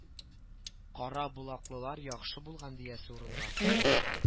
Кара болаклылар яхшы булган диясе урынга